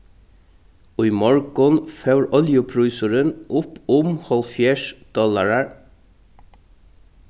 í morgun fór oljuprísurin upp um hálvfjerðs dollarar